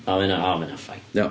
O, mae hynna, o mae hynna'n fine.